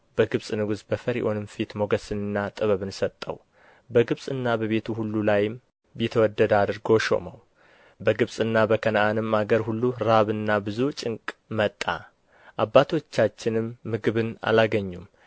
በግብፅ ንጉሥ በፈርዖንም ፊት ሞገስንና ጥበብን ሰጠው በግብፅና በቤቱ ሁሉ ላይም ቢትወደድ አድርጎ ሾመው በግብፅና በከነዓንም አገር ሁሉ ራብና ብዙ ጭንቅ መጣ አባቶቻችንም ምግብን አላገኙም